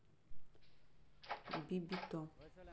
биби то